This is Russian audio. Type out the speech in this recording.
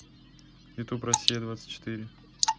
ютуб россия двадцать четыре